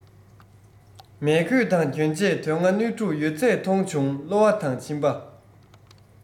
མལ གོས དང གྱོན ཆས དོན ལྔ སྣོད དྲུག ཡོད ཚད མཐོང བྱུང གློ བ དང མཆིན པ